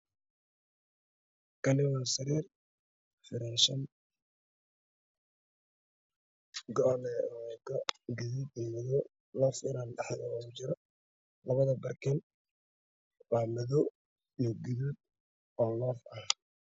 Waa qol waxaa yaalla sariir waxaa saaran midabkiisii yahay guduud midooday sariirta midabkeedu waa caddaan